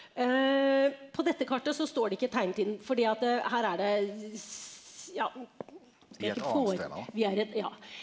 på dette kartet så står det ikke tegnet inn fordi at her er det ja vi er et ja.